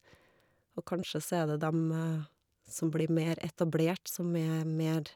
Og kanskje så er det dem som blir mer etablert, som er mer...